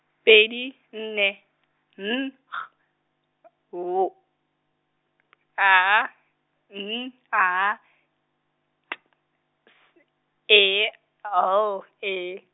pedi, nne, N G , W , A N A, T S E L E.